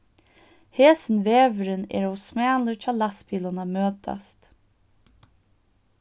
hesin vegurin er ov smalur hjá lastbilum at møtast